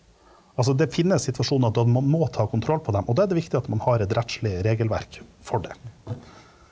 altså det finnes situasjoner man må ta kontroll på dem, og da er det viktig at man har et rettslig regelverk for det.